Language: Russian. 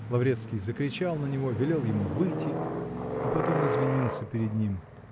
Лаврецкий закричал на него, велел ему выйти, а потом извинился перед ним